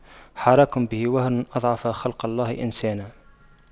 حراك به وهن أضعف خلق الله إنسانا